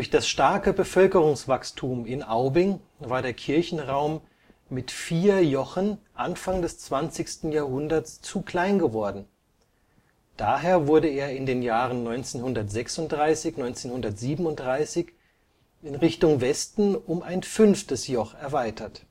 das starke Bevölkerungswachstum in Aubing war der Kirchenraum mit vier Jochen Anfang des 20. Jahrhunderts zu klein geworden, daher wurde er 1936 / 37 Richtung Westen um ein fünftes Joch erweitert